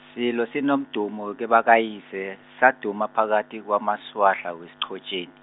silo sinomdumo kebakayise, saduma phakathi kwamaswahla weSichotjeni.